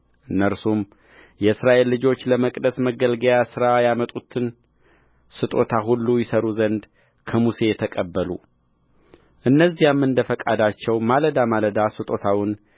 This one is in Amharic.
እነርሱም የእስራኤል ልጆች ለመቅደስ ማገልገያ ሥራ ያመጡትን ስጦታ ሁሉ ይሠሩ ዘንድ ከሙሴ ተቀበሉ እነዚያም እንደ ፈቃዳቸው ማለዳ ማለዳ ስጦታውን